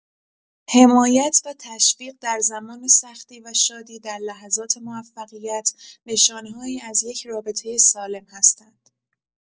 حمایت و تشویق در زمان سختی و شادی در لحظات موفقیت، نشانه‌هایی از یک رابطه سالم هستند.